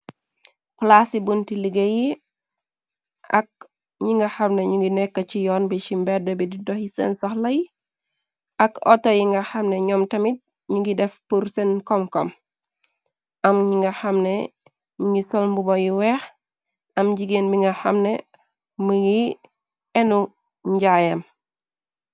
Plaas yi bunti liggéey yi ak njii nga xamne njungi nekk ci yon bi, ci mbedd bi di dokhi sehn sokhla yi, ak autor yi nga xamne njom tamit njungi def pur sehn kom kom, am nji nga xamne njungi sol mbuba yu weex, am jigéen bi nga xamne mingui ehnuu njaayam.